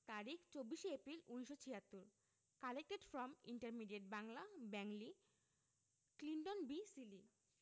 তারিখ ২৪শে April ১৯৭৬ collected from intermediate Bangla Bengali Clinton B Seely